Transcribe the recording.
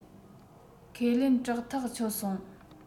ཁས ལེན སྐྲག ཐག ཆོད སོང